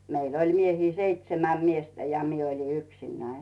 meillä oli miehiä seitsemän miestä ja minä olin yksinäni